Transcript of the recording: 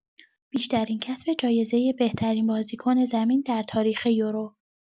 بیشترین کسب جایزۀ بهترین بازیکن زمین در تاریخ یورو!